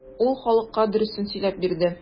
Ул халыкка дөресен сөйләп бирде.